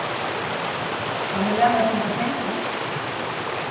kann eg læna eitt sindur av pengum